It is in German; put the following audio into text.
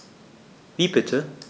Wie bitte?